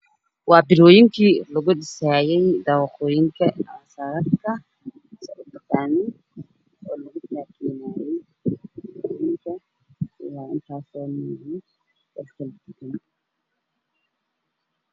Waa birooyinkii lagu dhisaayay dabaqa waa is dulsal saaran yihiin darbiga ka dambeeyay waajingad